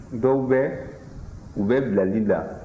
dɔw bɛ u bɛ bilali da